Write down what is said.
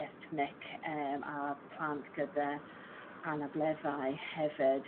ethnic eem a plant gyda anableddau hefyd